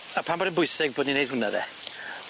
A pam bod e'n bwysig bod ni'n neud hwnna de?